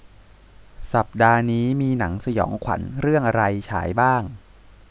สัปดาห์นี้มีหนังสยองขวัญเรื่องอะไรฉายบ้าง